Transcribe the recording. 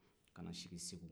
ka na sigi segu